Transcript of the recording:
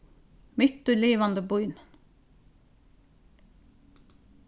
mitt í livandi býnum